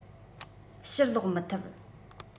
ཕྱིར ལོག མི ཐུབ